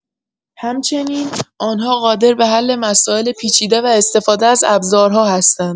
همچنین، آنها قادر به حل مسائل پیچیده و استفاده از ابزارها هستند.